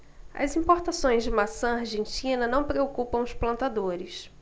as importações de maçã argentina não preocupam os plantadores